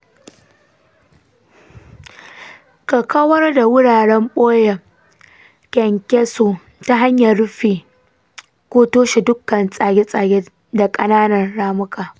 ka kawar da wuraren ɓoyon kyankyaso ta hanyar rufe ko toshe dukkan tsage-tsage da ƙananan ramuka.